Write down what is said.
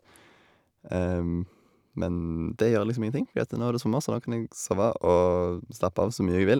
Men det gjør liksom ingenting, fordi at nå er det sommer, så nå kan jeg sove og slappe av så mye jeg vil.